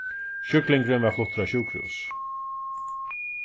sjúklingurin varð fluttur á sjúkrahús